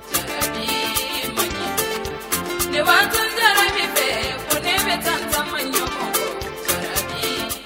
Sangɛnin tile ba tun tile min fɛ kun ne bɛ kɛ yo